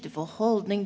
du får holdning.